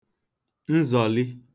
nzọ̀li